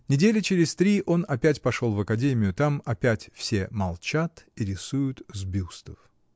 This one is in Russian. Недели через три он опять пошел в академию: там опять все молчат и рисуют с бюстов.